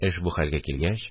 Эш бу хәлгә килгәч